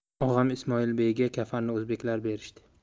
og'am ismoilbeyga kafanni o'zbeklar berishdi